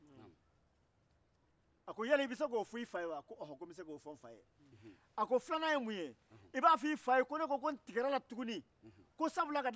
waati donwula ni a muso dɔw diyara cɛ ye yɛrɛyɛrɛ a ni fa tɛ tuku a ni ba tɛ a ni balema tɛ a ni kabila tɛ a ni mɔgɔsi tɛ a ko muso in de